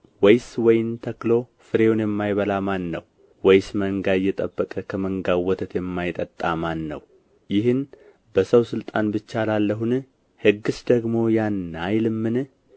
ወይስ ወይን ተክሎ ፍሬውን የማይበላ ማን ነው ወይስ መንጋ እየጠበቀ ከመንጋው ወተት የማይጠጣ ማን ነው ይህን በሰው ሥልጣን ብቻ እላለሁን ሕግስ ደግሞ ያን አይልምን